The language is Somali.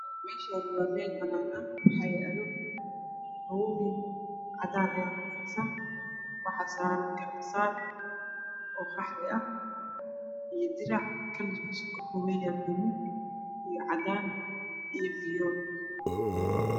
Meeshaani waa meel banaan ah waxaa yaalo uumi cadaan aya ku fidsan waxaa saaran gabsaar oo qaxwi ah iyo dirac kalarkiisu ka koobanyahay buluug cadaan iyo viyool